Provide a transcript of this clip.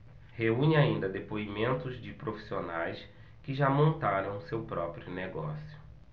reúne ainda depoimentos de profissionais que já montaram seu próprio negócio